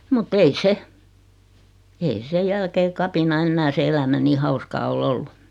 mutta ei se ei se jälkeen kapinan enää se elämä niin hauskaa ole ollut